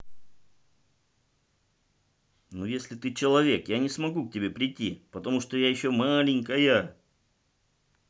ну если ты человек я не смогу к тебе прийти потому что я еще маленькая